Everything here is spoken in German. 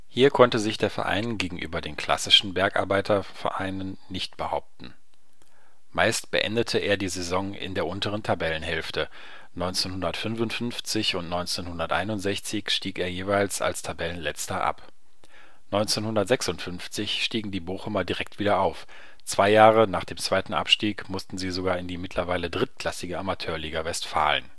Hier konnte sich der Verein gegenüber den klassischen Bergarbeitervereinen nicht behaupten. Meist beendete er die Saison in der unteren Tabellenhälfte, 1955 und 1961 stieg er jeweils als Tabellenletzter ab. 1956 stiegen die Bochumer direkt wieder auf, zwei Jahre nach dem zweiten Abstieg mussten sie sogar in die mittlerweile drittklassige Amateurliga Westfalen